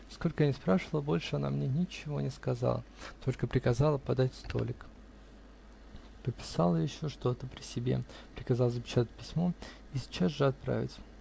Сколько я ни спрашивала, больше она мне ничего не сказала, только приказала подать столик, пописала еще что-то, при себе приказала запечатать письмо и сейчас же отправить.